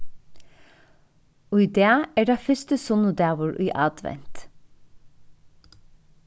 í dag er tað fyrsti sunnudagur í advent